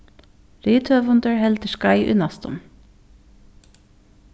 rithøvundur heldur skeið í næstum